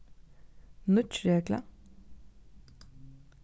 nýggj regla